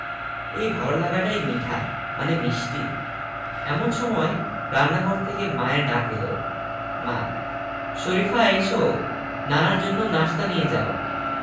এই ভালো লাগাটাই মিঠা মানে মিষ্টি এমন সময় রান্নাঘর থেকে মায়ের ডাক এলো মা শরিফা এসো নানার জন্য নাশতা নিয়ে যাও